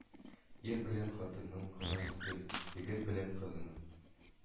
Ир белән хатынның гына түгел, егет белән кызның